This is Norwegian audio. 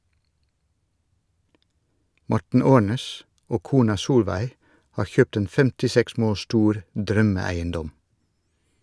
Morten Aarnes og kona Solveig har kjøpt en 56 mål stor drømmeeiendom.